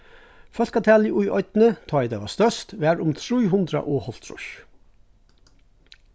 fólkatalið í oynni tá ið tað var størst var um trý hundrað og hálvtrýss